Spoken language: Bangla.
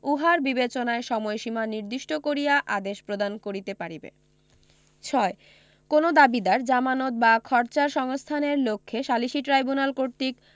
উহার বিবেচনায় সময়সীমা নির্দিষ্ট করিয়া আদেশ প্রদান করিতে পারিবে ৬ কোন দাবীদার জামানত বা খরচার সংস্থানের লক্ষ্যে সালিসী ট্রাইব্যুনাল কর্তৃক